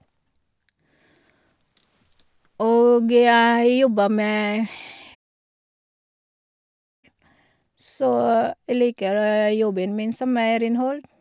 Og jeg jobber med Så jeg liker jobben min som er renhold.